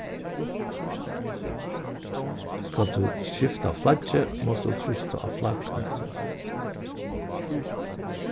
skalt tú skifta flaggið mást tú trýsta á flaggknøttin